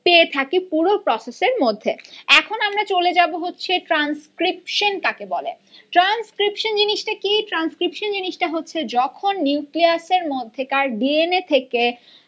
পেয়ে থাকি পুরো প্রসেস এর মধ্যে এখন আমরা চলে যাব হচ্ছে ট্রান্সক্রিপশন কাকে বলে ট্রান্সক্রিপশন জিনিস টা কি ট্রান্সক্রিপশন জিনিস টা হচ্ছে যখন নিউক্লিয়াসের মধ্যেকার ডি এন এ থেকে